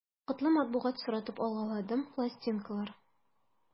Вакытлы матбугат соратып алгаладым, пластинкалар...